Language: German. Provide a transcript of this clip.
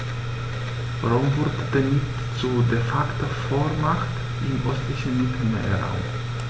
Rom wurde damit zur ‚De-Facto-Vormacht‘ im östlichen Mittelmeerraum.